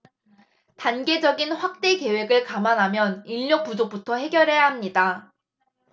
단계적인 확대 계획을 감안하면 인력 부족부터 해결해야 합니다